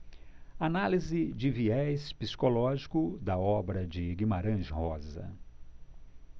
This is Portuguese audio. análise de viés psicológico da obra de guimarães rosa